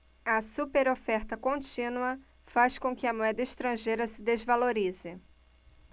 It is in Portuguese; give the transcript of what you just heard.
a superoferta contínua faz com que a moeda estrangeira se desvalorize